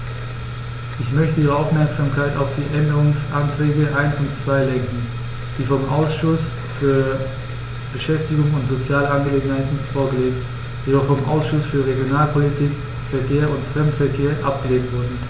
Ich möchte Ihre Aufmerksamkeit auf die Änderungsanträge 1 und 2 lenken, die vom Ausschuss für Beschäftigung und soziale Angelegenheiten vorgelegt, jedoch vom Ausschuss für Regionalpolitik, Verkehr und Fremdenverkehr abgelehnt wurden.